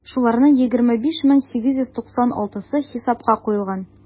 Шуларның 25 мең 896-сы хисапка куелган.